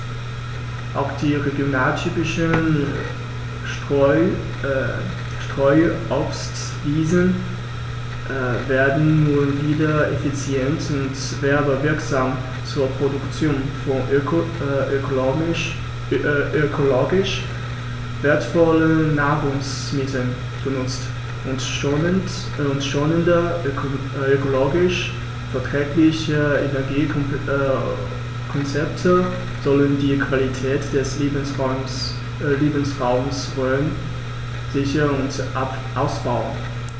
Auch die regionaltypischen Streuobstwiesen werden nun wieder effizient und werbewirksam zur Produktion von ökologisch wertvollen Nahrungsmitteln genutzt, und schonende, ökologisch verträgliche Energiekonzepte sollen die Qualität des Lebensraumes Rhön sichern und ausbauen.